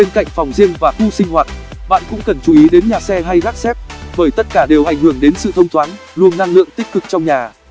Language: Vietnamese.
bên cạnh phòng riêng và khu sinh hoạt bạn cũng cần chú ý đến nhà xe hay gác xép bởi tất cả đều ảnh hưởng đến sự thông thoáng luồng năng lượng tích cực trong nhà